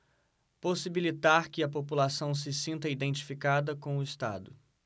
possibilitar que a população se sinta identificada com o estado